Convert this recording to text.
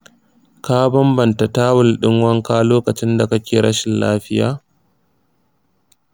ka banbanta tawul din wanka lokacin da kake rashin lafiya?